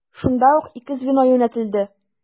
Шунда ук ике звено юнәтелде.